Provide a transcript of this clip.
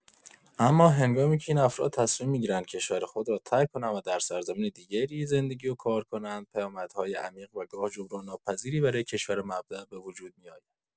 اما هنگامی‌که این افراد تصمیم می‌گیرند کشور خود را ترک کنند و در سرزمین دیگری زندگی و کار کنند، پیامدهای عمیق و گاه جبران‌ناپذیری برای کشور مبدأ به وجود می‌آید.